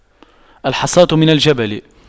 الحصاة من الجبل